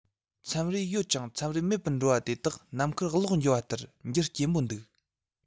མཚམས རེར ཡོད ཅིང མཚམས རེར མེད པར འགྲོ བ དེ དག ནམ མཁར གློག འགྱུ བ ལྟར འགྱུར སྐྱེན པོ འདུག